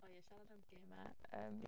O ie siarad am gemau yym...